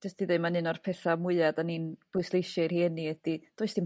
Jyst i dd'eu' mae'n un o'r petha' mwya' 'dyn ni'n bwysleisio i rhieni ydi does dim